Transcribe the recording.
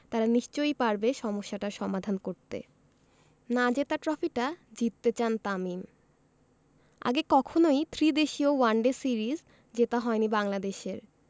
তারা নিশ্চয়ই পারবে সমস্যাটার সমাধান করতে না জেতা ট্রফিটা জিততে চান তামিম আগে কখনোই ত্রিদেশীয় ওয়ানডে সিরিজ জেতা হয়নি বাংলাদেশের